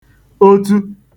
otu